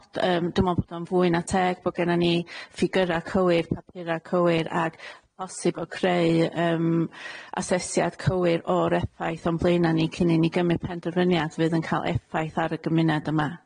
D- yym dwi me'wl bod o'n fwy na teg bo' gennon ni ffigyra' cywir, papura' cywir, ag bosib o creu yym asesiad cywir o'r effaith o'n blaena' ni cyn i ni gymryd penderfyniad fydd yn ca'l effaith ar y gymuned yma.